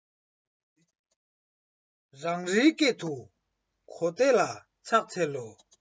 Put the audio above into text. རང རེའི སྐད དུ གོ བརྡ ལ ཕྱག འཚལ ལོ